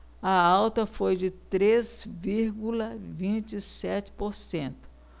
a alta foi de três vírgula vinte e sete por cento